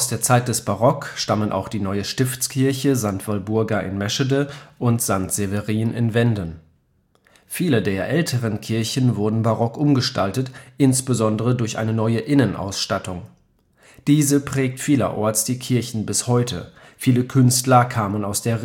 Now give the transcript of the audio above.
Zeit des Barock stammen auch die neue Stiftskirche St. Walburga in Meschede und St. Severin in Wenden. Viele der älteren Kirchen wurden barock umgestaltet, insbesondere durch eine neue Innenausstattung. Diese prägt vielerorts die Kirchen bis heute. Viele Künstler kamen aus der